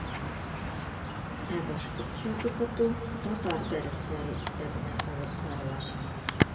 Ә башкортча укыту татар дәресләре исәбенә алып барылачак.